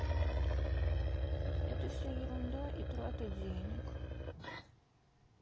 это все ерунда и трата денег